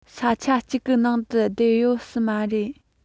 ས ཆ ཅིག གི ནང དུ བསྡད ཡོད སྲིད མ རེད